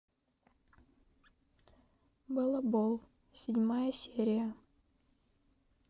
балабол седьмая серия